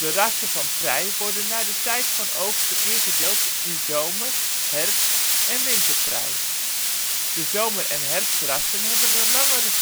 rassen van prei worden naar de tijd van oogsten ingedeeld in zomer -, herfst - en winterprei. De zomer - en herfstrassen hebben een langere